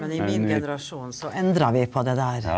men i min generasjon så endra vi på det der.